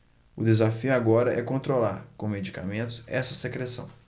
o desafio agora é controlar com medicamentos essa secreção